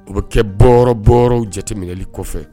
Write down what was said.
O bɛ kɛ bɔbɔ jateminɛli kɔfɛ